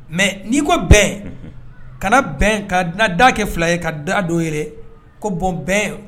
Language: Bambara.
Mɛ n'i ko bɛn kana bɛn ka dunan da kɛ fila ye ka da dɔ ye ko bɔn bɛn ye